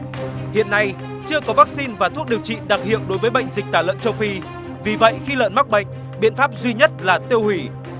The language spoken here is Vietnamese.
hiện nay chưa có vắc xin và thuốc điều trị đặc hiệu đối với bệnh dịch tả lợn châu phi vì vậy khi lợn mắc bệnh biện pháp duy nhất là tiêu hủy